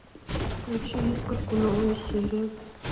включи искорку новые серии